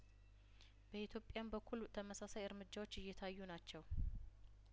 በኢትዮጵያም በኩል ተመሳሳይ እርምጃዎች እየታዩ ናቸው